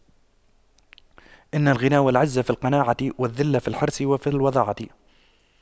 إن الغنى والعز في القناعة والذل في الحرص وفي الوضاعة